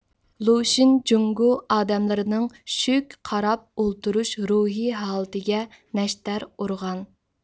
لۇشۈن جۇڭگو ئادەملىرىنىڭ شۈك قاراپ تۇرۇش روھىي ھالىتىگە نەشتەر ئۇرغان